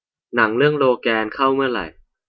หนังเรื่องโลแกนเข้าเมื่อไหร่